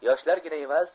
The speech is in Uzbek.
yoshlargina emas